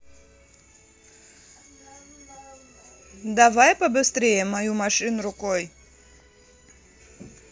давай побыстрее мою машину рукой